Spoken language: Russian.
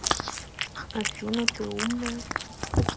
афина ты умная